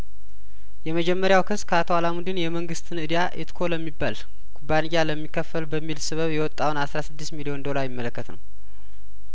የመጀመሪያው ክስ ከአቶ አላሙዲን የመንግስትን እዳ ኢትኮ ለሚባል ኩባንያ ለሚከፈል በሚል ስበብ የወጣውን አስራ ስድስት ሚሊዮን ዶላር የሚመለከት ነው